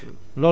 voilà